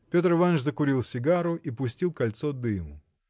Петр Иваныч закурил сигару и пустил кольцо дыму.